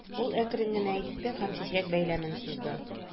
Ул әкрен генә әйтте һәм чәчәк бәйләмен сузды.